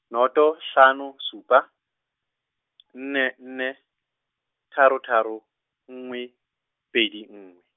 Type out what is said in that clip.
noto hlano supa , nne nne, tharo tharo, nngwe, pedi nngwe.